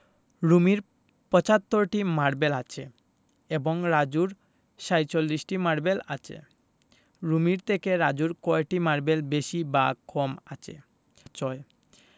রুমির ৭৫টি মারবেল আছে এবং রাজুর ৪৭টি মারবেল আছে রুমির থেকে রাজুর কয়টি মারবেল বেশি বা কম আছে ৬